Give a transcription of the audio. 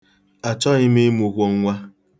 Achọghị m ịmụkwo nwa.